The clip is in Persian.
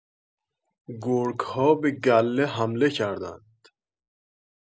گرگ‌ها به گله حمله کردند